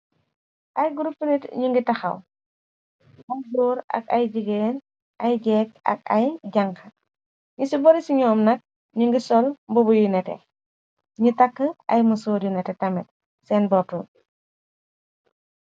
Ay grup nit ñu ngi taxaw yu goor ak ay jigéen ay jéeg ak ay jank ni ci bori ci ñoom nag ñu ngi sol mbobu yu nete ni tàkk ay mësoor yu nete tamet seen boppu.